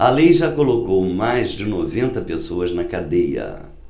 a lei já colocou mais de noventa pessoas na cadeia